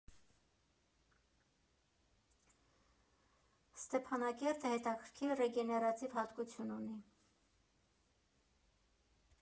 «Ստեփանակերտը հետաքրքիր ռեգեներատիվ հատկություն ունի».